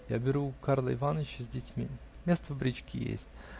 -- Я беру Карла Иваныча с детьми. Место в бричке есть.